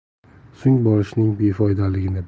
so'ng borishning befoydaligini